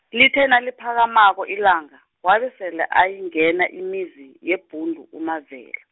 lithe naliphakamako ilanga, wabe sele ayingena imizi yeBhundu uMavela.